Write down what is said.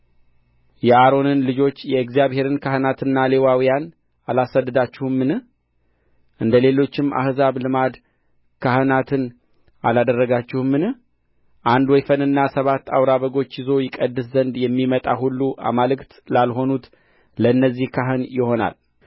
የአሮንን ልጆች የእግዚአብሔርን ካህናትና ሌዋውያን አላሳደዳችሁምን እንደ ሌሎችም አሕዛብ ልማድ ካህናትን አላደረጋችሁምን አንድ ወይፈንና ሰባት አውራ በጎች ይዞ ይቀድስ ዘንድ የሚመጣ ሁሉ አማልክት ላልሆኑት ለእነዚያ ካህን ይሆናል